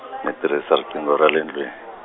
ni tirhisa riqingo ra le ndlwini.